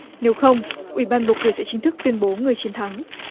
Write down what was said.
nếu không ủy ban bầu cử sẽ chính thức tuyên bố người chiến thắng